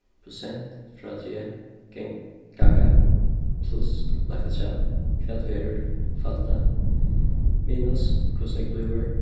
prosent frádrigið ganga pluss lagt afturat hvat verður falda minus hvussu nógv blívur